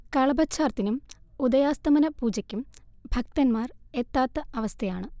കളഭച്ചാർത്തിനും ഉദയാസ്തമന പൂജക്കും ഭക്തന്മാർ എത്താത്ത അവസ്ഥയാണ്